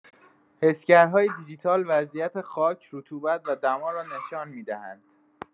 حسگرهای دیجیتال وضعیت خاک، رطوبت و دما را نشان می‌دهند.